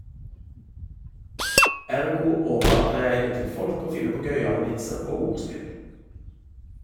Ergo overlater jeg det til folk å finne på gøyale vitser og ordspill.